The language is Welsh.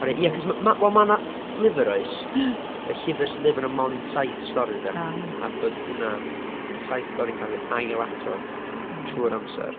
Oherwydd ia cos m- ma' wel ma' 'na lyfr oes... ia ...y llyfr sy' deud bod yna mond saith stori de... o ie ...a bod hwnna y saith stori'n cael ei ailadrodd... mm ...trwy'r amser.